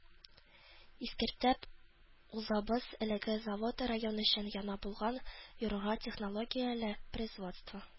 Искәртеп узабыз, әлеге завод – район өчен яңа булган югары технологияле производство